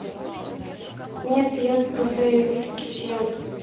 нет я отправляю их друзьям